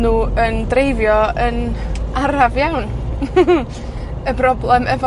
nw yn dreifio yn araf iawn. Y broblem efo